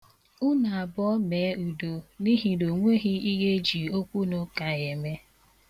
Unu abụọ mee udo n'ihi na o nweghị ihe eji okwunụka eme.